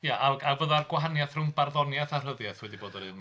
Ia, a- a fyddai'r gwahaniaeth rhwng barddoniaeth a rhyddiaith wedi bod yn un...